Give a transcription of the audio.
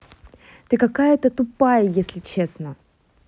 ты какая то тупая если честно